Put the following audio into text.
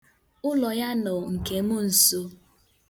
Ụlọ ya nọ nke m nso.